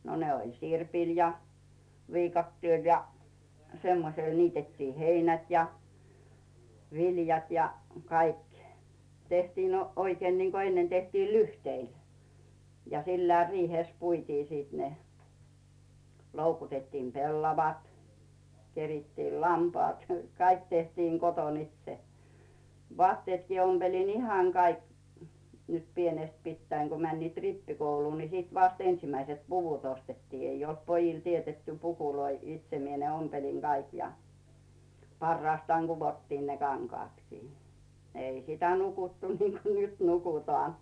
no ne oli sirpillä ja viikatteella ja semmoisella niitettiin heinät ja viljat ja kaikki tehtiin - oikein niin kuin ennen tehtiin lyhteille ja sillä riihessä puitiin sitten ne loukutettiin pellavat kerittiin lampaat kaikki tehtiin kotona itse vaatteetkin ompelin ihan kaikki nyt pienestä pitäen kun menivät rippikouluun niin sitten vasta ensimmäiset puvut ostettiin ei ollut pojille teetetty pukuja itse minä ne ompelin kaikki ja parastaan kudottiin ne kankaatkin ei sitä nukuttu niin kuin nyt nukutaan